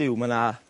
Duw ma' 'na